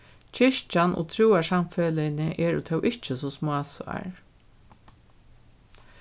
kirkjan og trúarsamfeløgini eru tó ikki so smásár